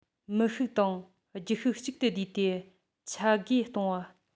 མི ཤུགས དང རྒྱུ ཤུགས གཅིག ཏུ བསྡུས ཏེ ཆ བགོས གཏོང བ